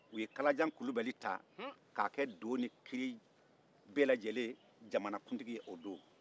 u ye kalajan kulubali ta k'a kɛ do ni kiri jamanakuntigi ye o don